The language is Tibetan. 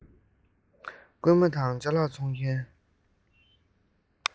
རྐུན མ དང ཅ ལག འཚོང མཁན